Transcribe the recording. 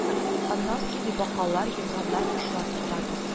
Аннан соң ди, бакалар, йомраннар, кошлар тотарбыз